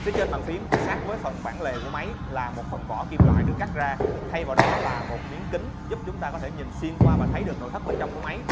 phía trên bàn phím sát với phần bản lề của máy là một phần vỏ kim loại được cắt ra thay vào đó là một miếng kính giúp chúng ta có thể nhìn xuyên qua và thấy được nội thất bên trong của máy